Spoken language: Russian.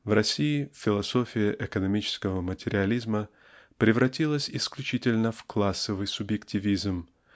В России философия экономического материализма превратилась исключительно в "классовый субъективизме